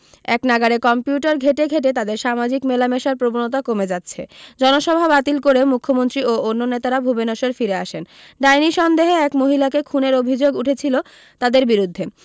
একনাগাড়ে computer ঘেঁটে ঘেঁটে তাদের সামাজিক মেলামেশার প্রবণতা কমে যাচ্ছে জনসভা বাতিল করে মুখ্যমন্ত্রী ও অন্য নেতারা ভুবনেশ্বর ফিরে আসেন ডাইনি সন্দেহে এক মহিলাকে খুনের অভি্যোগ উঠেছিল তাদের বিরুদ্ধে